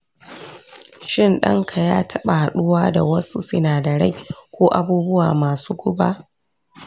shin ɗanka ya taɓa haɗuwa da wasu sinadarai ko abubuwa masu guba?